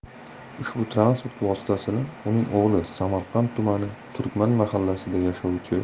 ushbu transport vositasini uning o'g'li samarqand tumani turkman mahallasida yashovchi